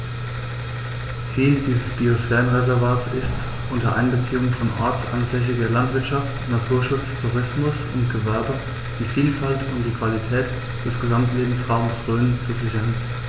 Ziel dieses Biosphärenreservates ist, unter Einbeziehung von ortsansässiger Landwirtschaft, Naturschutz, Tourismus und Gewerbe die Vielfalt und die Qualität des Gesamtlebensraumes Rhön zu sichern.